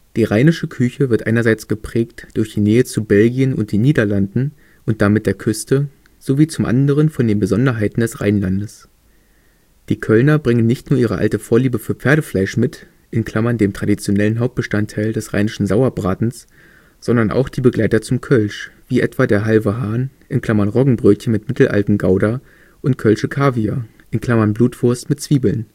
Die Rheinische Küche wird einerseits geprägt durch die Nähe zu Belgien und den Niederlanden und damit der Küste sowie zum anderen von den Besonderheiten des Rheinlandes. Die Kölner bringen nicht nur ihre alte Vorliebe für Pferdefleisch mit (dem traditionellen Hauptbestandteil des Rheinischen Sauerbratens), sondern auch die Begleiter zum Kölsch wie etwa der halve Hahn (Roggenbrötchen mit mittelaltem Gouda) und Kölsche Kaviar (Blutwurst mit Zwiebeln